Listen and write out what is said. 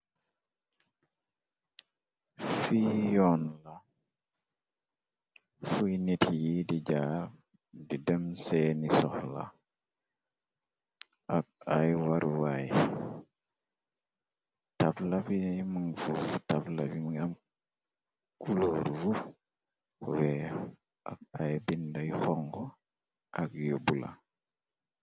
Fi yon la fuy nit yi di jaar di dem seeni soxla ak ay waruwaay tablay mungb tabla bi ngam kulooru wee ak ay binday xongo ak yu bula.